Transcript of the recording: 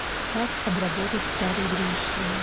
как обработать старую древесину